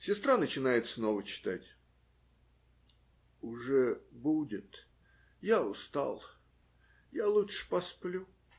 Сестра начинает снова читать. - Уже будет. Я устал. Я лучше посплю.